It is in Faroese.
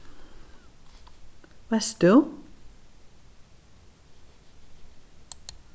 veitst tú